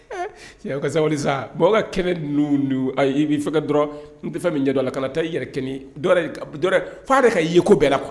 Cɛ ka wali bɔn ka kɛnɛ n i b'i fɛ ka dɔrɔn n tɛ fɛn min jɛ la kana taa i yɛrɛ dɔɛrɛ fa de ka yen ko bɛɛ la kuwa